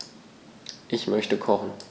Ich möchte kochen.